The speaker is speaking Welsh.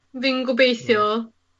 Fi'n gobeithio.